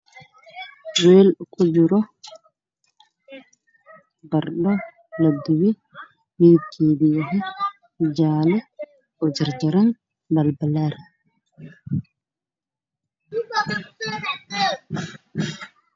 Waa ku jiro barandho la dubay